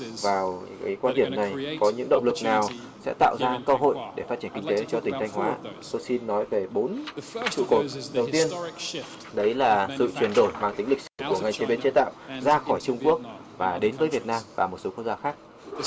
vào cái quan điểm này có những động lực nào sẽ tạo ra cơ hội để phát triển kinh tế cho tỉnh thanh hóa tôi xin nói về bốn trụ cột đầu tiên đấy là sự chuyển đổi mang tính lịch sử của ngành chế biến chế tạo ra khỏi trung quốc và đến với việt nam và một số quốc gia khác